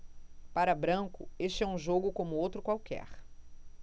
para branco este é um jogo como outro qualquer